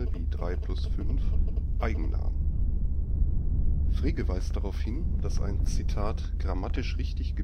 3 + 5 “Eigennamen. Frege weist darauf hin, dass ein „ grammatisch richtig gebildeter